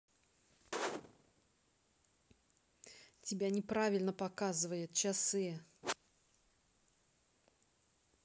тебя неправильно показывает часы